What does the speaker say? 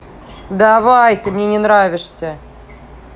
давай ты мне не нравишься